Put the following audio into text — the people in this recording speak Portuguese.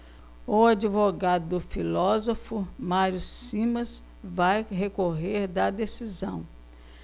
o advogado do filósofo mário simas vai recorrer da decisão